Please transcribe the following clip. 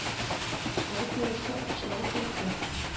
Ә бит монысы акчалы концерт